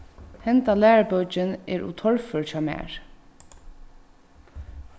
henda lærubókin er ov torfør hjá mær